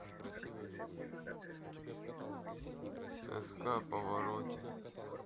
тоска паваротти